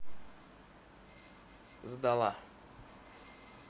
сдала